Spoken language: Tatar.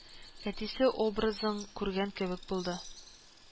Әтисе образың күргән кебек булды